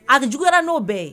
A juguyara n'o bɛn ye